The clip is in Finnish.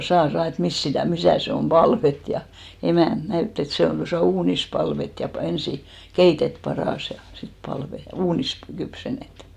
saa saa että mistä sitä missä se on palvattu ja emäntä näytti että se on tuossa uunissa palvattu ja - ensin keitetty padassa ja sitten palvattu uunissa - kypsennetty